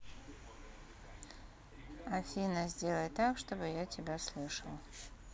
афина сделай так чтоб я тебя слышал